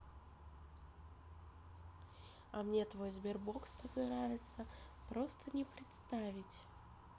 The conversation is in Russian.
а мне твой sberbox так нравится просто не представить